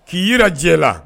K'i jira j la